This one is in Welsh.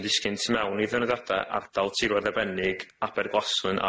yn disgyn tu mewn i ddeunyddiada' ardal tirwedd arbennig Aberglaslyn